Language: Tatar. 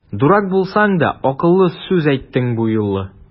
Дурак булсаң да, акыллы сүз әйттең бу юлы!